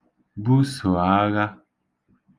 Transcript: būsò agha